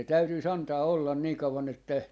se täytyisi antaa olla niin kauan että